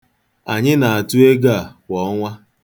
Anyị na-atụ ego a kwa ọnwa.